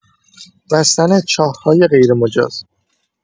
بستن چاه‌های غیرمجاز